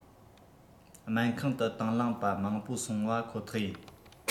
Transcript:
སྨན ཁང དུ དང བླངས པ མང པོ སོང བ ཁོ ཐག ཡིན